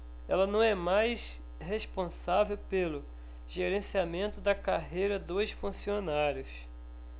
ela não é mais responsável pelo gerenciamento da carreira dos funcionários